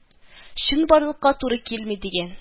Чынбарлыкка туры килми, дигән